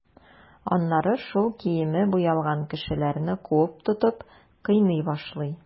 Аннары шул киеме буялган кешеләрне куып тотып, кыйный башлый.